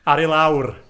Ar i lawr.